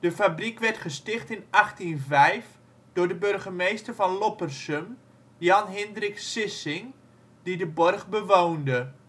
fabriek werd gesticht in 1805 door de burgemeester van Loppersum, Jan Hindrik Sissing, die de borg bewoonde